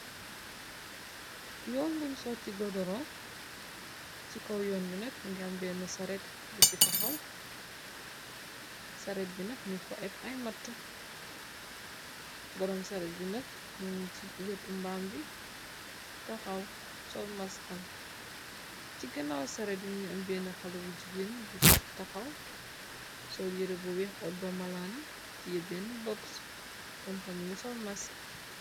Yoon buñ sotti gordoron. ci kow yoon bi nag mungi ambeen sared bu ci taxaw. sared bi nag ñu ko ép ay mat boroom sared bi nag mungi ci wetu mbaam bi taxaw sol maskam ci ganaaw saret yu ngi ambeen xale bu jigéen bu ci taxaw sol yëre bu weex oddom malaana tiyé benn box umtamu ngi sol mask.